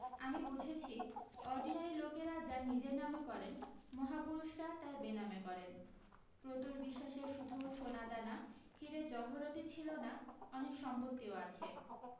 আমি বুঝেছি অর্ডিনারি লোকেরা যা নিজের নামে করেন মহাপুরুষরা তাই বেনামে করেন প্রতুল বিশ্বাসের শুধু সোনাদানা হীরে জহরতি ছিল না অনেক সম্পত্তিও আছে